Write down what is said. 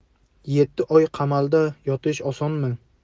yetti oy qamalda yotish osonmi